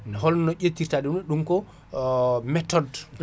holno ƴettirta ɗum ɗum ko méthode